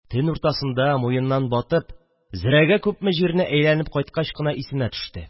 Төн уртасында, муеннан батып, зрәгә күпме жирне әйләнеп кайткач кына исенә төште